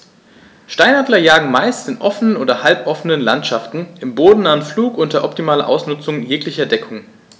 Steinadler jagen meist in offenen oder halboffenen Landschaften im bodennahen Flug unter optimaler Ausnutzung jeglicher Deckung.